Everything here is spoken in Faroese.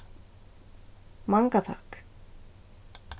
manga takk